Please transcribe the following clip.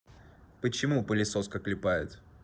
почему пылесоска клепает